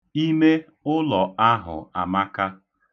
Ime ụlọ ahụ amaka.